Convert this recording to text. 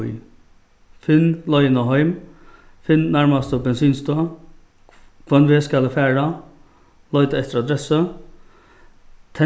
bý finn leiðina heim finn nærmastu bensinstøð hvønn veg skal eg fara leita eftir adressu